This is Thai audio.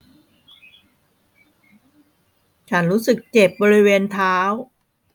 ฉันรู้สึกเจ็บบริเวณเท้า